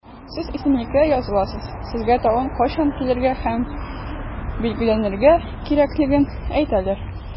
Сез исемлеккә языласыз, сезгә тагын кайчан килергә һәм билгеләнергә кирәклеген әйтәләр.